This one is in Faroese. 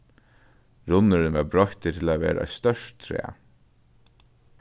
runnurin var broyttur til at vera eitt stórt træ